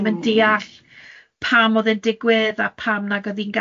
...ddim yn deall pam oedd e'n digwydd, a pam nag oedd hi'n